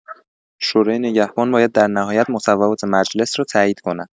شورای نگهبان باید در نهایت مصوبات مجلس را تایید کند.